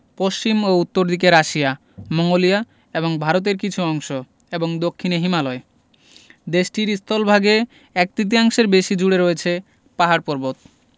পশ্চিম ও উত্তর দিকে রাশিয়া মঙ্গোলিয়া এবং ভারতের কিছু অংশ এবং দক্ষিনে হিমালয় দেশটির স্থলভাগে এক তৃতীয়াংশের বেশি জুড়ে রয়েছে পাহাড় পর্বত